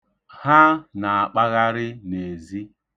Ha na-akpagharị n'ezi.